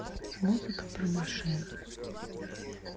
музыка про машин